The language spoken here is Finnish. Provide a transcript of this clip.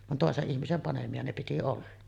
vaan toisen ihmisen panemia ne piti olla